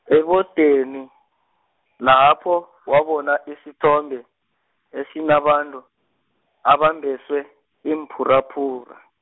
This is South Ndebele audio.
ebodeni, lapho wabona isithombe, esinabantu, abambeswe iimphuraphura.